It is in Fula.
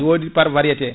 ɗi wodi par variété